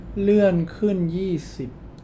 เลื่อนขึ้นยี่สิบ